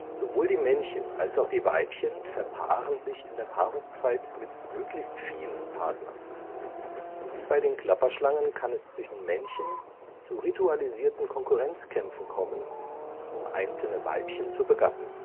Sowohl die Männchen als auch die Weibchen verpaaren sich in der Paarungszeit mit möglichst vielen Partnern. Wie bei den Klapperschlangen kann es zwischen Männchen zu ritualisierten Konkurrenzkämpfen kommen, um einzelne Weibchen zu begatten